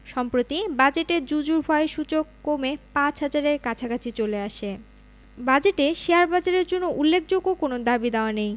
সম্প্রতি বাজেটের জুজুর ভয়ে সূচক কমে ৫ হাজারের কাছাকাছি চলে আসে বাজেটে শেয়ারবাজারের জন্য উল্লেখযোগ্য কোনো দাবিদাওয়া নেই